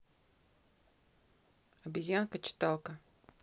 обезьянка читалка